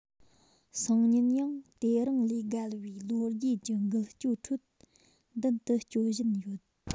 སང ཉིན ཡང དེ རིང ལས བརྒལ བའི ལོ རྒྱུས ཀྱི འགུལ སྐྱོད ཁྲོད མདུན དུ སྐྱོད བཞིན ཡོད